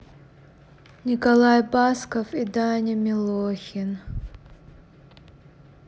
николай басков и даня милохин